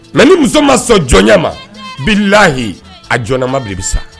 Nka ni muso ma sɔn jɔnya ma bilahi a jɔnnama de bɛ sa